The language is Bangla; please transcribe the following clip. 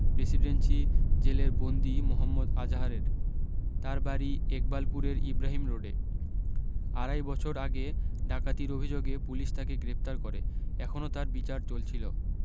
প্রেসিডেন্সি জেলের বন্দি মোহম্মদ আজাহারের তার বাড়ী একবালপুরের ইব্রাহিম রোডে আড়াই বছর আগে ডাকাতির অভি্যোগে পুলিশ তাকে গ্রেফতার করে এখনও তার বিচার চলছিল